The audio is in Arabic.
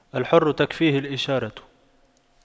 الحر تكفيه الإشارة